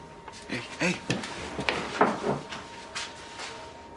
Ei, ei!